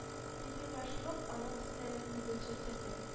Диде горшков аның сүзләрен үзенчә төзәтеп